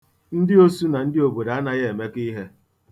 Ndị osu na ndị obodo anaghị emeko ihe.